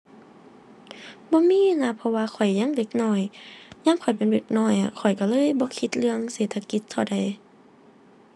บ่มีนะเพราะว่าข้อยยังเด็กน้อย ยามข้อยเป็นเด็กน้อยอะ ข้อยก็เลยบ่คิดเรื่องเศรษฐกิจเท่าใด